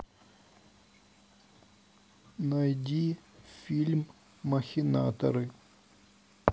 найди фильм махинаторы